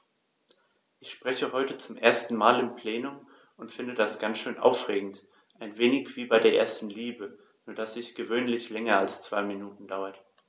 Ich spreche heute zum ersten Mal im Plenum und finde das ganz schön aufregend, ein wenig wie bei der ersten Liebe, nur dass die gewöhnlich länger als zwei Minuten dauert.